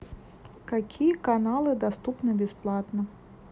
какие каналы доступны бесплатно